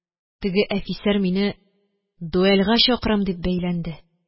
Теге әфисәр мине дуэльгә чакырам дип бәйләнде